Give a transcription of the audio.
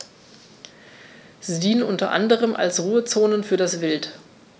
Sie dienen unter anderem als Ruhezonen für das Wild.